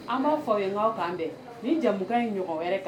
An b'a fɔ yekaw kan bɛn ni jamu in ɲɔgɔn wɛrɛ kan